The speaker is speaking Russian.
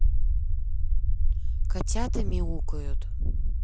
котята мяукают